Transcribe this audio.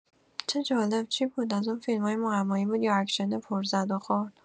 چه جالب، چی بود؟ از اون فیلمای معمایی بود یا اکشن پر زد و خورد؟